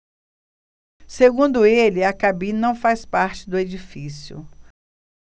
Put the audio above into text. segundo ele a cabine não faz parte do edifício